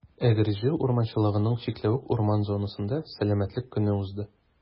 Әгерҗе урманчылыгының «Чикләвек» урман зонасында Сәламәтлек көне узды.